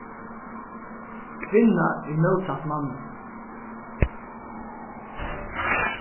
kvinna er mótsatt manni